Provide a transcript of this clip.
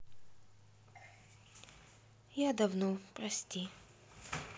я давно прости